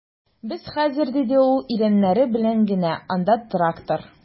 Без хәзер, - диде ул иреннәре белән генә, - анда трактор...